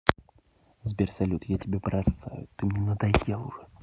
сбер салют я тебя бросаю ты мне надоел